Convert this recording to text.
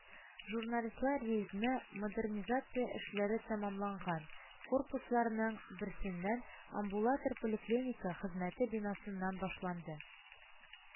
Журналистлар рейдны модернизация эшләре тәмамланган корпусларның берсеннән – амбулатор-поликлиника хезмәте бинасыннан башлады